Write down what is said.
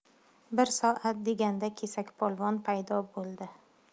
bir soat deganda kesakpolvon paydo bo'ldi